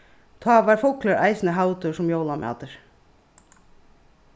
tá var fuglur eisini havdur sum jólamatur